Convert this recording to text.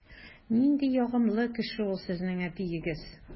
Нинди ягымлы кеше ул сезнең әтиегез!